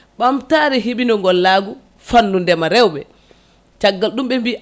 ɓamtare heɓino gollagu fannu ndeema rewɓe caggal ɗum ɓe mbi